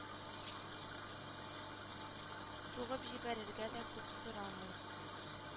Сугып җибәрергә дә күп сорамый